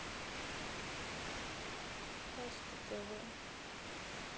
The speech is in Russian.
паста тв